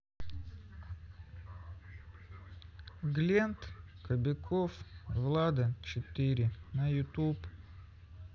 глент кобяков влада четыре на ютуб